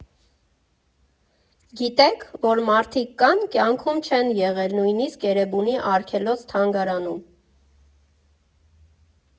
Գիտե՞ք, որ մարդիկ կան՝ կյանքում չեն եղել նույնիսկ Էրեբունի արգելոց֊թանգարանում։